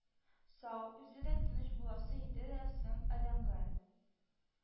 Сау, үзе дә тыныч буласы иде дә соң адәмгә